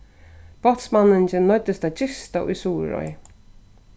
bátsmanningin noyddist at gista í suðuroy